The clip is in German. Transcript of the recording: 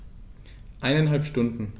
Eineinhalb Stunden